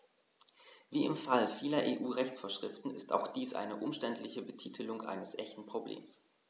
Wie im Fall vieler EU-Rechtsvorschriften ist auch dies eine umständliche Betitelung eines echten Problems.